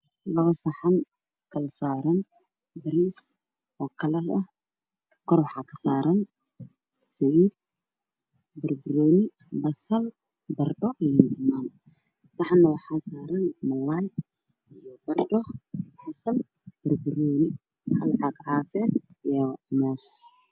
Labo saxan oo kala saaran malaay waxaa kaloo saaran sabiib baradho badal barbarooni biyo caafi moos